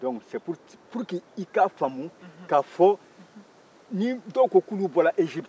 pour que i ka faamu ka fɔ nin dɔw k'olu bɔra eziputi